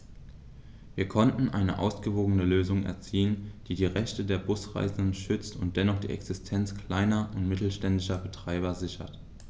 Wir konnten eine ausgewogene Lösung erzielen, die die Rechte der Busreisenden schützt und dennoch die Existenz kleiner und mittelständischer Betreiber sichert.